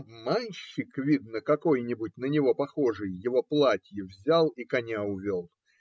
Обманщик, видно, какой-нибудь, на него похожий, его платье взял и коня увел.